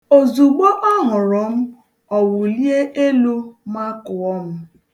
Ozugbo ọ hụrụ m, ọ wulie elu makụọ m.